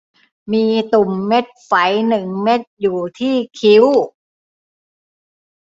มีตุ่มเม็ดไฝหนึ่งเม็ดอยู่ที่คิ้ว